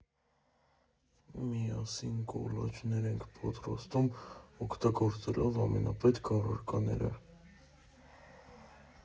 Միասին կոլաժներ ենք պատրաստում՝ օգտագործելով ամենաանպետք առարկաները։